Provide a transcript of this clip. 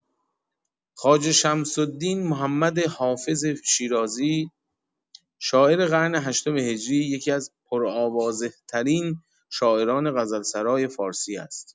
خواجه شمس‌الدین محمد حافظ شیرازی، شاعر قرن هشتم هجری، یکی‌از پرآوازه‌ترین شاعران غزل‌سرای فارسی است.